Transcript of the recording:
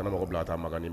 A mɔgɔ bila a taa